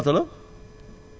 bu baax a baax